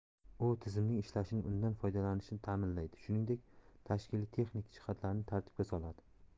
u tizimning ishlashini undan foydalanishni ta'minlaydi shuningdek tashkiliy texnik jihatlarini tartibga soladi